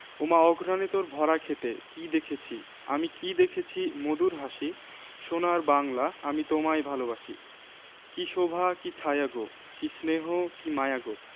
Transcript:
ওমা আমার প্রানে বাজায় বাঁশি সোনার বাংলা আমি তোমায় ভালোবাসি ওমা ফাগুনে তোর আমের বনে ঘ্রাণে পাগল করে মরিহায় হায়রে ওমা ফাগুনে তোর আমের বনে ঘ্রাণে পাগল করে